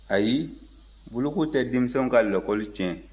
ayi boloko tɛ denmisɛnw ka lakɔli tiɲɛ